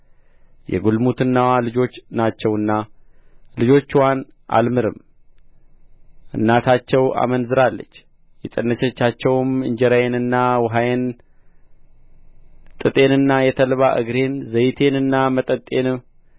የግልሙትናዋ ልጆች ናቸውና ልጆችዋን አልምርም እናታቸው አመንዝራለች የፀነሰቻቸውም እንጀራዬንና ውኃዬን ጥጤንና የተልባ እግሬን ዘይቴንና መጠጤን